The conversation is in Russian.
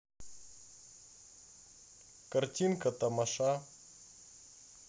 картинка тамаша